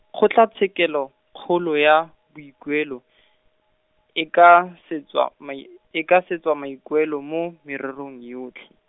Kgotlatshekelokgolo ya, Boikuelo , e ka, swetsa mai-, e ka swetsa maikuelo mo, mererong yotlhe.